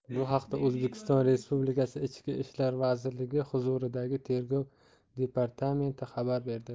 bu haqda o'zbekiston respublikasi ichki ishlar vazirligi huzuridagi tergov departamenti xabar berdi